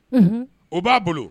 Un o b'a bolo